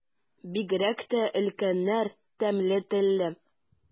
Бигрәк тә өлкәннәр тәмле телле.